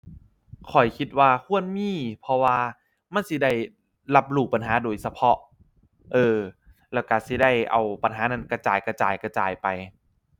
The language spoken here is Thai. ข้อยคิดว่าควรมี เพราะว่ามันสิได้รับรู้ปัญหาโดยเฉพาะ เอ้อ แล้วก็สิได้เอาปัญหานั้นกระจายกระจายกระจายไป